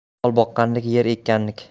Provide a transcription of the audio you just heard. mol boqqanniki yer ekkanniki